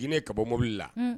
Jinɛ ka bɔ mobili la